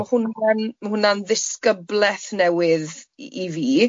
So ma hwnna'n ma hwnna'n ddisgybleth newydd i i fi.